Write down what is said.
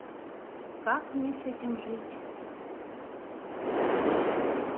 как мне с этим жить